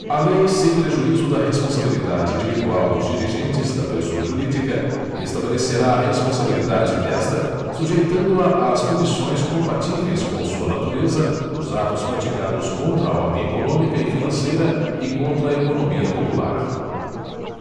a lei sem prejuízo da responsabilidade individual dos dirigentes da pessoa jurídica estabelecerá a responsabilidade desta sujeitando a às punições compatíveis com sua natureza nos atos praticados contra a ordem econômica e financeira e contra a economia popular